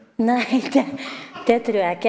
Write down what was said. nei det det trur jeg ikke.